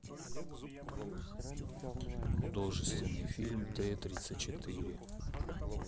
художественный фильм т тридцать четыре